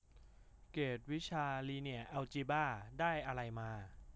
เกรดวิชาลิเนียร์แอลจิบ้าได้อะไรมา